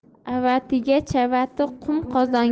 avatiga chavati qum